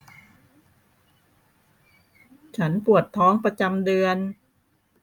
ฉันปวดท้องประจำเดือน